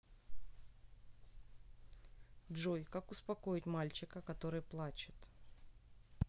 джой как успокоить мальчика который плачет